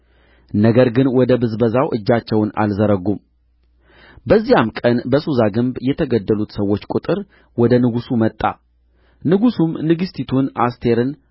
ነገር ግን ወደ ብዝበዛው እጃቸውን አልዘረጉም በዚያም ቀን በሱሳ ግንብ የተገደሉት ሰዎች ቍጥር ወደ ንጉሡ መጣ ንጉሡም ንግሥቲቱን አስቴርን